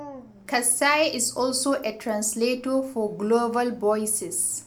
Kassaye is also a translator for Global Voices.